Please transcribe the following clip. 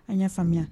An y'a faamuya